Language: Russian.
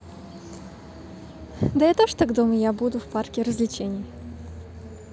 да я тоже так думаю я буду в парке развлечений